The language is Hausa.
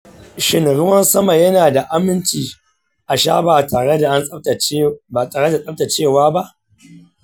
shin ruwan sama yana da aminci a sha ba tare da tsaftacewa ba?